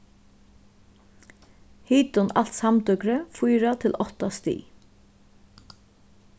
hitin alt samdøgrið fýra til átta stig